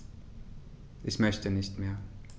Ich möchte nicht mehr.